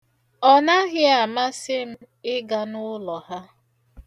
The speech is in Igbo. Ọnaghị amasị m ịga n'ụlọ ha.